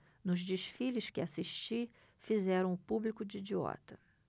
nos desfiles que assisti fizeram o público de idiota